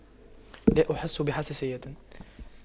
لا أحس بحساسية